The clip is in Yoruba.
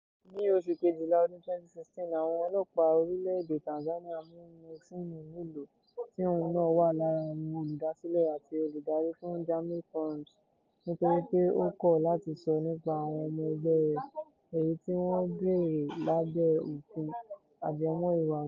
Ní oṣù Kejìlá ọdún 2016,àwọn ọlọ́pàá orílẹ̀ èdè Tanzania mú Maxence Melo, tí òun náà wà lára àwọn olùdásílẹ̀, àti olùdarí fún Jamil Forums, nítorí pé ó kọ̀ láti sọ nípa àwọn ọmọ ẹgbẹ́ rẹ̀, èyí tí wọ́n béèrè lábẹ́ òfin ajẹmọ́ Ìwà Ọ̀daràn.